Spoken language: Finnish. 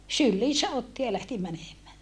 syliinsä otti ja lähti menemään